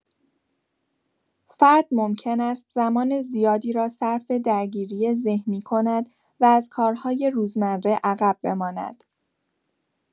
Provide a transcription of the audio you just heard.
فرد ممکن است زمان زیادی را صرف درگیری ذهنی کند و از کارهای روزمره عقب بماند.